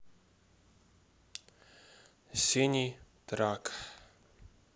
синий трак